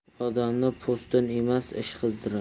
odamni po'stin emas ish qizdirar